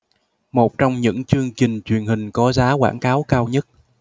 một trong những chương trình truyền hình có giá quảng cáo cao nhất